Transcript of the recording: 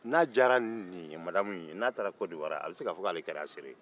n'a diyara ninnu de ye madamu ye n'a taara kɔnɔwari a bɛ se k'a fɔ k'a de kɛra a seere ye